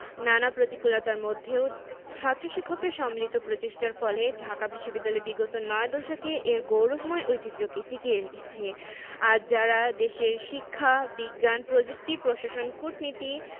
নানা প্রতিকূলতার মধ্যেও ছাত্র শিক্ষকদের সম্মিলিত প্রচেষ্টার ফলে ঢাকা বিশ্ববিদ্যালয় বিগত নয় দশকে এর গৌরবময় ঐতিহ্যকে টিকিয়ে রেখেছে আজ যাঁরা দেশের শিক্ষা বিজ্ঞান প্রযুক্তি প্রশাসন কূটনীতি